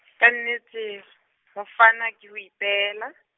ka nnete, ho fana ke ho ipeela.